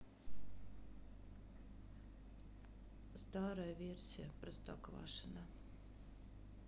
старая версия простоквашино